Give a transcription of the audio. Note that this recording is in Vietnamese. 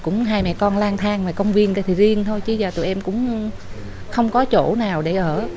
cũng hai mẹ con lang thang ngoài công viên việc riêng thôi chứ giờ tụi em cũng không có chỗ nào để ở